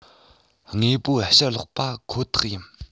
དངོས པོ ཕྱིར སློག པ ཁོ ཐག ཡིན